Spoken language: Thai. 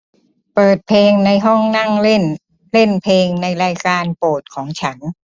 เปิดเพลงในห้องนั่งเล่นเล่นเพลงในรายการโปรดของฉัน